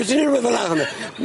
Be' ti'n neud rwbeth fel 'a hwnna?